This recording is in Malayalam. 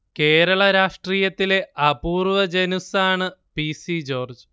കേരള രാഷ്ട്രീയത്തിലെ അപൂർവ്വ ജനുസ്സാണ് പി. C George